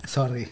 Sori.